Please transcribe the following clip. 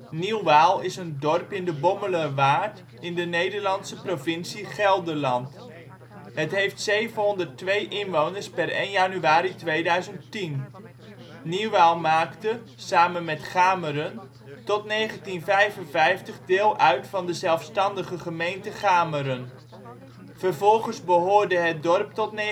Nieuwaal is een dorp in de Bommelerwaard in de Nederlandse provincie Gelderland. Het heeft 702 inwoners (per 1 januari 2010). Nieuwaal maakte, samen met Gameren, tot 1955 deel uit van de zelfstandige gemeente Gameren, vervolgens behoorde het dorp tot 1999